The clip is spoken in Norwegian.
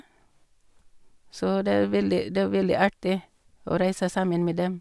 Så det er veldig det er veldig artig å reise sammen med dem.